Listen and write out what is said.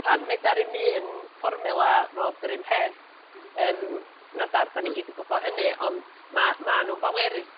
Pan medar 'im un fformiwla fod yr un peth yym 'dan ni gyd yn gwbo hynny ond ma' ma' nw'n bowerus